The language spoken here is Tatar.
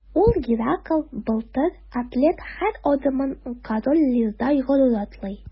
Ул – Геракл, Былтыр, атлет – һәр адымын Король Лирдай горур атлый.